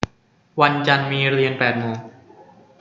วันจันทร์มีเรียนแปดโมง